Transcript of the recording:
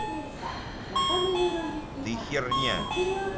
ты херня